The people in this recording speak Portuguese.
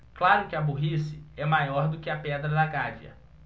claro que a burrice é maior do que a pedra da gávea